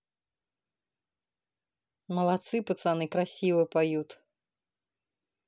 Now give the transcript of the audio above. молодцы пацаны красиво поют